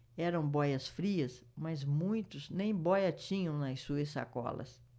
eram bóias-frias mas muitos nem bóia tinham nas suas sacolas